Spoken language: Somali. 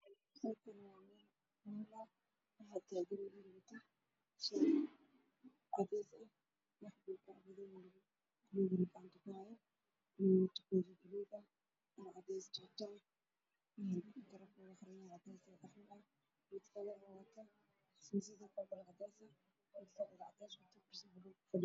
Miisaan waxaa fadhiya askar fara badan askariga u soo horeeyo waxa uu wataa dhar ka caddeyso iyo koofi baluug ah